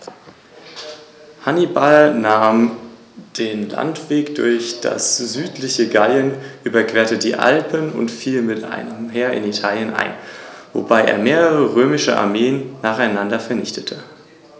Nachdem Karthago, solcherart provoziert, die Römer von See aus angegriffen und geschlagen hatte, baute Rom seine Flotte aus, um der Seemacht Karthago erfolgreich entgegentreten zu können.